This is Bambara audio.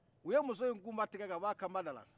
u ye muso in kunba tigɛ k'a b'a kanba dala